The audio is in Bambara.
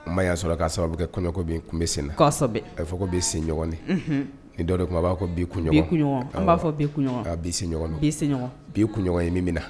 N ma y'a sɔrɔ k'a sababu kɛ kɔɲɔ bɛ kun bɛ sen na a fɔ bi sen ɲɔgɔn ni dɔw de tun b'a fɔ bi b'a fɔ bi bi kunɲɔgɔn ye min na